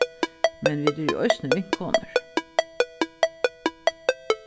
men vit eru eisini vinkonur